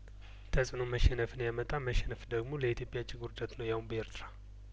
ተጽእኖ መሸነፍን ያመጣል መሸነፍ ደግሞ ለኢትዮጵያ እጅግ ውርደት ነው ያውም በኤርትራ